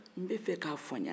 n b'a fɛ i k'a fɔ n ɲɛna